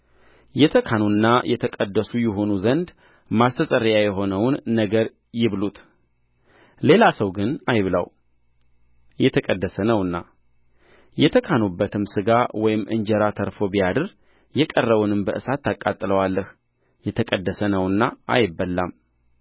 የተካኑና የተቀደሱ ይሆኑ ዘንድ ማስተስረያ የሆነውን ነገር ይብሉት ሌላ ሰው ግን አይብላው የተቀደሰ ነውና የተካኑበትም ሥጋ ወይም እንጀራ ተርፎ ቢያድር የቀረውን በእሳት ታቃጥለዋለህ የተቀደሰ ነውና አይበላም